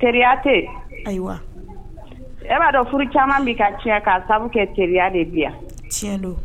teri tɛ ayiwa e b'a dɔn furu caman bɛ ka tiɲɛ kan sabu kɛ teriya de bi yan tiɲɛ don